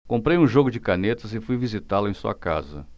comprei um jogo de canetas e fui visitá-lo em sua casa